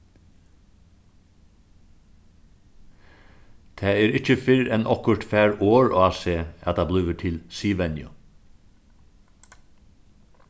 tað er ikki fyrr enn okkurt fær orð á seg at tað blívur til siðvenju